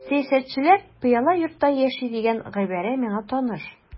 Сәясәтчеләр пыяла йортта яши дигән гыйбарә миңа таныш.